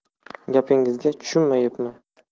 gapingizg tushunmayapman